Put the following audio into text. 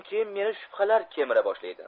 keyin meni shubhalar kemira boshlaydi